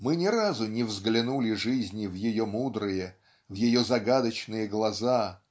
мы ни разу не взглянули жизни в ее мудрые в ее загадочные глаза